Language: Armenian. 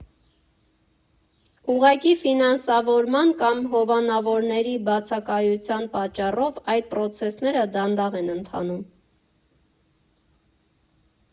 Ուղղակի ֆինանսավորման կամ հովանավորների բացակայության պատճառով այդ պրոցեսները դանդաղ են ընթանում։